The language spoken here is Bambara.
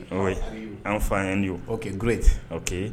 Ɔ an fa yan ye kɛ g o